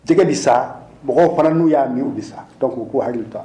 Jɛgɛ bi sa mɔgɔw fana n'u y'a min u bi sa donc u k'u hali to a